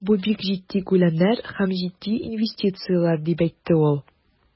Бу бик җитди күләмнәр һәм җитди инвестицияләр, дип әйтте ул.